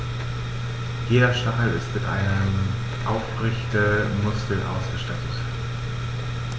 Jeder Stachel ist mit einem Aufrichtemuskel ausgestattet.